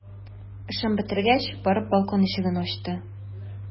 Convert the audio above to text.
Эшен бетергәч, барып балкон ишеген ачты.